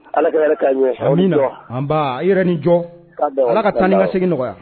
I yɛrɛ ni jɔ ala ka tani ka segin nɔgɔya yan